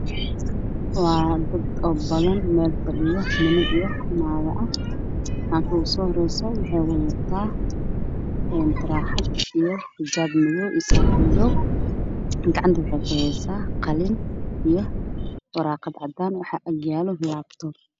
Meeshaan waxaa ka muuqdo dad badan oo niman iyo naago iskugu jiro